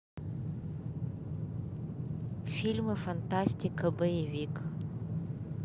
фильмы фантастика боевик